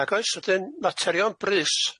Nag oes. Wedyn materion brys.